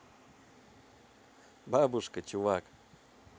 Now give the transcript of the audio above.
бабушка чувак